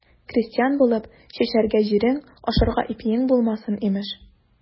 Крестьян булып, чәчәргә җирең, ашарга ипиең булмасын, имеш.